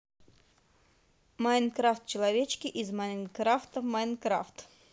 майнкрафт человечки из майнкрафта майнкрафт